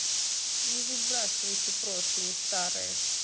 не выбрасывайте простыни старые